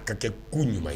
A ka kɛ ko ɲuman ye